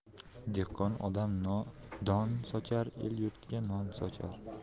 dehqon odam don sochar el yurtiga non sochar